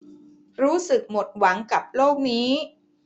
รู้สึกหมดหวังกับโลกนี้